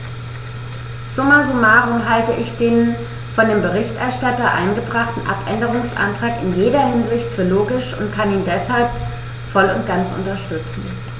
Summa summarum halte ich den von dem Berichterstatter eingebrachten Abänderungsantrag in jeder Hinsicht für logisch und kann ihn deshalb voll und ganz unterstützen.